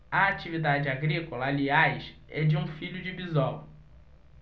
a atividade agrícola aliás é de um filho de bisol